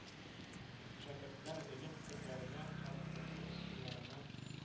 Шәкертләр гыйлем төрләренә һәм укыту ысулларына